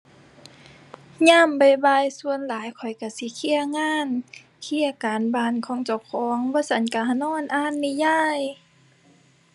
ยามบ่ายบ่ายส่วนหลายข้อยก็สิเคลียร์งาน เคลียร์การบ้านของเจ้าของ บ่ซั้นก็หานอนอ่านนิยาย